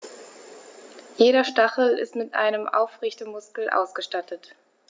Jeder Stachel ist mit einem Aufrichtemuskel ausgestattet.